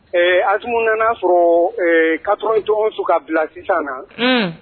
Asmu nana'a sɔrɔ kato jɔn su ka bila sisan na